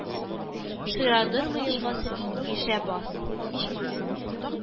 Шира Норма елгасы Мишә бас